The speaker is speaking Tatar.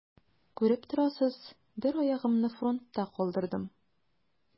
Күреп торасыз: бер аягымны фронтта калдырдым.